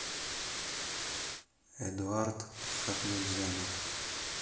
эдуард хатнудзянов